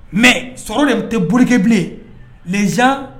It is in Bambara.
Mɛ sɔrɔ de bɛ tɛuruke bilen z